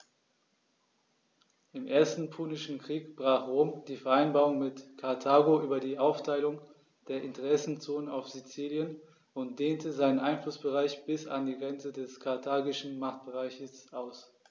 Im Ersten Punischen Krieg brach Rom die Vereinbarung mit Karthago über die Aufteilung der Interessenzonen auf Sizilien und dehnte seinen Einflussbereich bis an die Grenze des karthagischen Machtbereichs aus.